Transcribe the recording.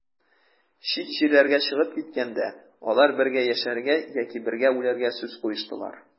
Чит җирләргә чыгып киткәндә, алар бергә яшәргә яки бергә үләргә сүз куештылар.